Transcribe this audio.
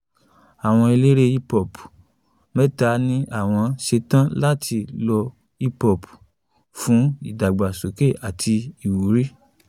Àwọn eléré hip hop mẹ́ta ní àwọn ṣe tán láti lo hip hop fún ìdàgbàsókè àti ìwúrí.